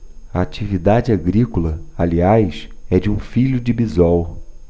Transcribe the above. a atividade agrícola aliás é de um filho de bisol